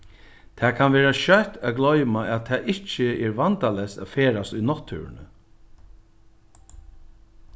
tað kann vera skjótt at gloyma at tað ikki er vandaleyst at ferðast í náttúruni